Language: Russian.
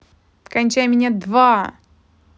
кончай меня два